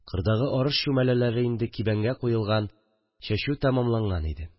Кырдагы арыш чүмәләләре инде кибәнгә куелган, чәчү тамамланган иде